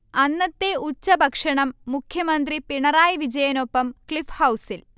അന്നത്തെ ഉച്ചഭക്ഷണം മുഖ്യമന്ത്രി പിണറായി വിജയനൊപ്പം ക്ലിഫ്ഹൗസിൽ